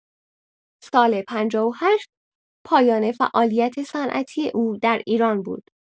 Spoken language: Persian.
سال ۵۸ پایان فعالیت صنعتی او در ایران بود.